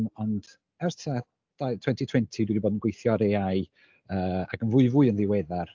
Ond ers tua dau twenty twenty dwi 'di bod yn gweithio ar AI, yy ac yn fwyfwy yn ddiweddar,